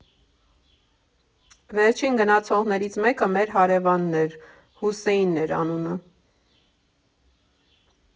Վերջին գնացողներից մեկը մեր հարևանն էր՝ Հուսեին էր անունը։